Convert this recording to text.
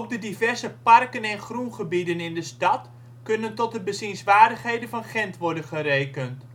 diverse parken en groengebieden in de stad kunnen tot de bezienswaardigheden van Gent worden gerekend